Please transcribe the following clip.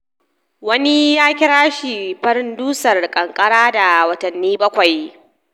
Wani ya kira shi "Farin Dusar Kankara da Wadanni Bakwai.""